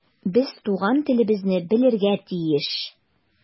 Без туган телебезне белергә тиеш.